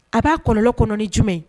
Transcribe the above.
A b'a kɔlɔlɔ kɔnɔ ni jumɛn ye?